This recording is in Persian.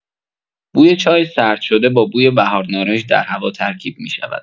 بوی چای سرد شده با بوی بهارنارنج در هوا ترکیب می‌شود.